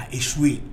A ye su ye